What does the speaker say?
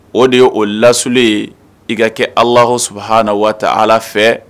O de ye o lasli ye i ka kɛ ala su huna na waa ala fɛ